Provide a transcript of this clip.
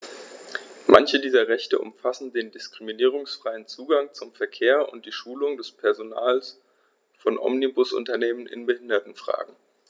Manche dieser Rechte umfassen den diskriminierungsfreien Zugang zum Verkehr und die Schulung des Personals von Omnibusunternehmen in Behindertenfragen.